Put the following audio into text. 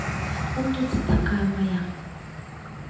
умница такая моя